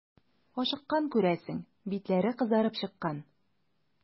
Ашыккан, күрәсең, битләре кызарып чыккан.